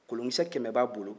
kolonkisɛ kɛmɛ b'a bolo